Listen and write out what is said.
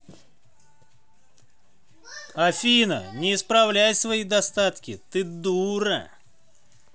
афина не исправляй свои достатки ты дура